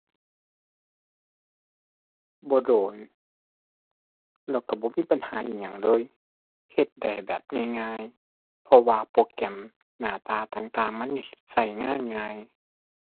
บ่โดน แล้วก็บ่มีปัญหาอิหยังเลย เฮ็ดแต่แบบง่ายง่าย เพราะว่าโปรแกรมหน้าตาต่างต่าง มัน ก็งานง่าย